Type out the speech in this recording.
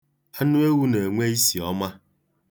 Anụewu na-enwe isi ọma.